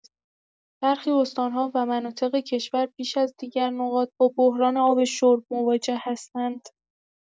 برخی استان‌ها و مناطق کشور بیش از دیگر نقاط با بحران آب شرب مواجه هستند.